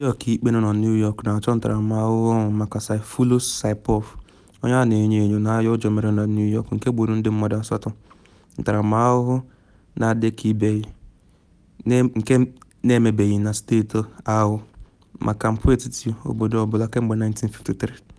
Ndị ọkaikpe nọ na New York na achọ ntaramahụhụ ọnwụ maka Sayfullo Saipov, onye a na enyo enyo na agha ụjọ mere na New York nke gburu ndị mmadụ asatọ -- ntaramahụhụ na adịkabeghị nke emebeghị na steeti ahụ maka mpụ etiti obodo ọ bụla kemgbe 1953.